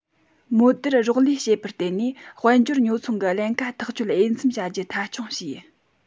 མོལ བསྡུར རོགས ལས བྱེད པར བརྟེན ནས དཔལ འབྱོར ཉོ ཚོང གི ཀླན ཀ ཐག གཅོད འོས འཚམ བྱ རྒྱུ མཐའ འཁྱོངས བྱས